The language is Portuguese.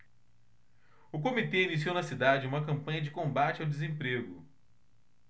o comitê iniciou na cidade uma campanha de combate ao desemprego